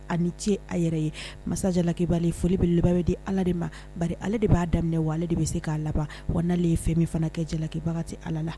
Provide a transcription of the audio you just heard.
Ce masajan foli bɛ laban di ala de ale de b'a daminɛ wa ale de bɛ se k'a laban waale ye fɛn min fana kɛ jalabaga ala la